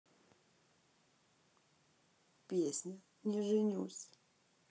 песня не женюсь